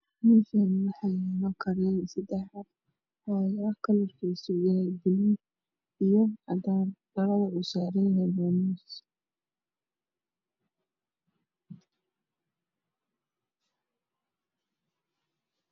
Meeshaani waxaa yaalo Kareen sadex kalarkisa yahay buluug cadaan dhalada uu saaran yahay waa miis